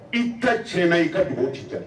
I ta ti na i ka dugawu ci tɛ